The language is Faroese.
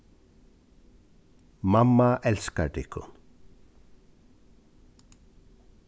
mamma elskar tykkum